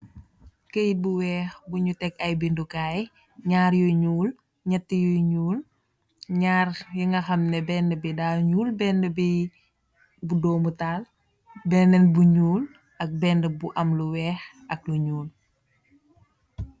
Kayit bou weck bou nyou tek aye bendou kaye nyarr you nyull nyetti you nyull nyarr you nga kamneh bene bi fifa nyull bene bi bou domou tahal bene bou am lou nyull ak benen bou weck ak benen bou am lou nyull